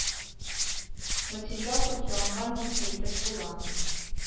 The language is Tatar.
Материал тупланган дип әйтеп була